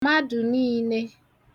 madụ̀ niinē